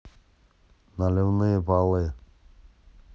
наливные полы